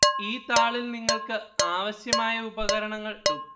ഈ താളിൽ നിങ്ങൾക്ക് ആവശ്യമായ ഉപകരണങ്ങൾ കിട്ടും